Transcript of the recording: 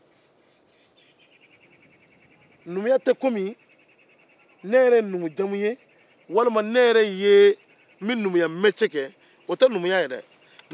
numuya tɛ ko numujamu bɛ n na walima n bɛ numuyabaara kɛ